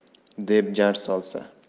deb jar solsa